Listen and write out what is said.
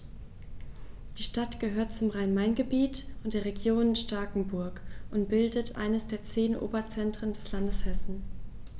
Die Stadt gehört zum Rhein-Main-Gebiet und der Region Starkenburg und bildet eines der zehn Oberzentren des Landes Hessen.